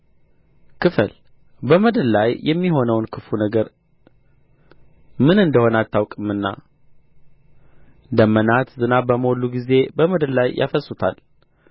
ክፈል በምድር ላይ የሚሆነውን ክፉ ነገር ምን እንደሆነ አታውቅምና ደመናት ዝናብ በሞሉ ጊዜ በምድር ላይ ያፈስሱታል